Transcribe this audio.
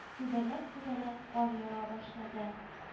Күбәләк-күбәләк кар ява башлады